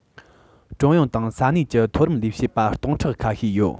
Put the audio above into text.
ཀྲུང དབྱང དང ས གནས ཀྱི མཐོ རིམ ལས བྱེད པ སྟོང ཕྲག ཁ ཤས ཡོད